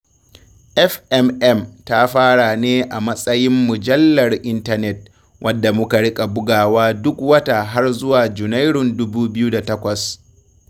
FMM ta fara ne a matsayin mujallar intanet, wadda muka riƙa bugawa duk wata har zuwa Junairun 2008.